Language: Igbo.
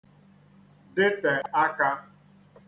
dịtè akā